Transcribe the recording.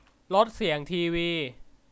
ลดเสียงทีวี